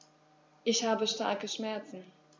Ich habe starke Schmerzen.